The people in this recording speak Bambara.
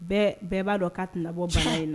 Bɛɛ bɛɛ b'a dɔn k'a tɛna nabɔ bamanan in na